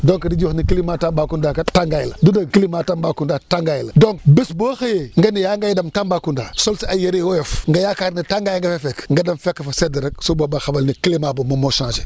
donc dañuy wax ne climat Tàmbacounda kat tàngaay la du dëgg climat Tambacounda tàngaay la donc bés boo xëyee nga ni yaa ngay dem Tambacounda sol sa ay yëre yu woyof nga yaakaar ne tàngaay nga fay fekk nga dem fekk fa sedd rek su boobaa xamal ni climat boobo moom moo changé